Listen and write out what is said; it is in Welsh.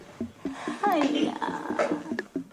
Hiya.